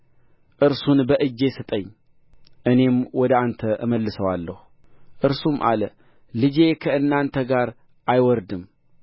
እርሱን በእጄ ስጠኝ እኔም ወደ አንተ እመልሰዋለሁ እርሱም አለ ልጄ ከእናንተ ጋር አይወርድም